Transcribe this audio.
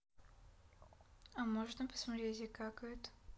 а можно посмотреть где какают